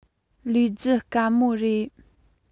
ལས རྒྱུ དཀའ མོ རེད